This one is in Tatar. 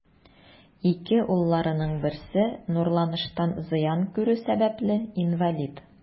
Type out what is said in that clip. Ике улларының берсе нурланыштан зыян күрү сәбәпле, инвалид.